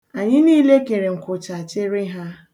Anyị niile kere nkwụcha chere ha.